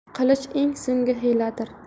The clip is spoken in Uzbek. qilich eng so'nggi hiyladir